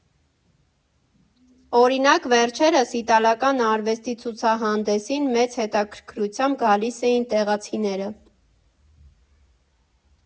Օրինակ՝ վերջերս իտալական արվեստի ցուցահանդեսին մեծ հետաքրքրությամբ գալիս էին տեղացիները։